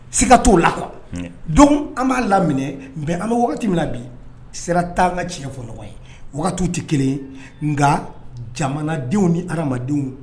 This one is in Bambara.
Sika to la quoi donc an ba laminɛ, an bɛ wagati min na bi sera tɛ an ka tiɲɛ fɔ ɲɔgɔn ye. wagatiw ti kelen ye. Nga jamanadenw ni adamadenw